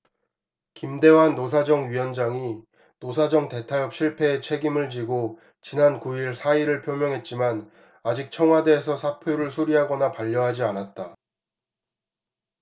김대환 노사정위원장이 노사정 대타협 실패에 책임을 지고 지난 구 일 사의를 표명했지만 아직 청와대에서 사표를 수리하거나 반려하지 않았다